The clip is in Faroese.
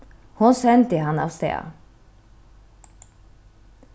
hon sendi hann avstað